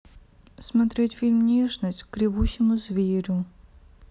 смотреть фильм нежность к ревущему зверю